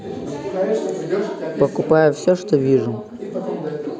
покупаю все что вижу